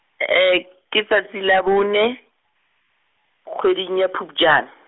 ke tsatsi la bone, kgweding ya Phupjane.